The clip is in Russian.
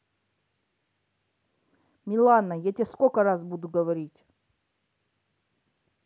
милана я тебе сколько раз буду говорить